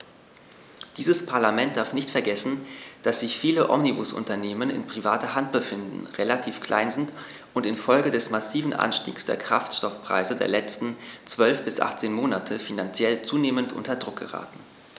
Dieses Parlament darf nicht vergessen, dass sich viele Omnibusunternehmen in privater Hand befinden, relativ klein sind und in Folge des massiven Anstiegs der Kraftstoffpreise der letzten 12 bis 18 Monate finanziell zunehmend unter Druck geraten.